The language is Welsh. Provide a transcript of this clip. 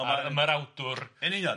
A a ma'r awdwr yn union.